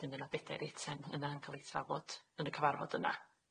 Ydyn yna bedair eitem yna yn ca'l ei trafod yn y cyfarfod yna.